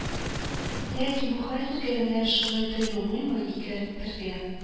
Ләкин бу хәзергә генә шулай тоелмыймы икән, бергә